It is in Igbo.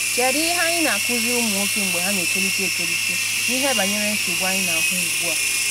‘Kedu ihe anyị na-akuziri ụmụ-nwoke mgbe ha na-etolite etolite, n’ihe banyere nsogbu anyị na-ahụ ugbu a?’